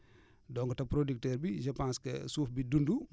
donc te producteur bi je pense que suuf bi dund